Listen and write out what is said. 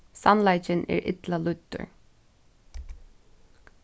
sannleikin er illa lýddur